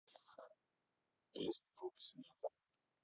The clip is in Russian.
песни группы сенатор